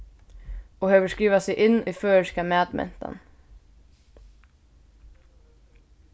og hevur skrivað seg inn í føroyska matmentan